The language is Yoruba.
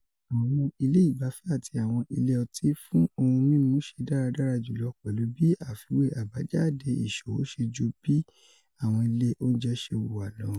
Àwọn ilé ìgbafẹ́ àti àwọn ilé ọtí fún ohun-mímu ṣe dáradára jùlọ pẹ̀lu bí àfiwé àbájáàde ìṣòwò ṣe ju bí àwọn ilé óùnjẹ ṣe wá lọ.